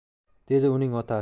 dedi uning otasi